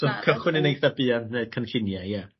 So cychwyn yn eitha buan neud cynllunia ie.